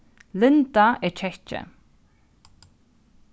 linda er kekki